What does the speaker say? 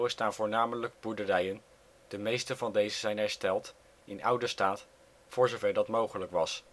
staan voornamelijk boerderijen, de meeste van deze zijn hersteld in oude staat voor zover dat mogelijk was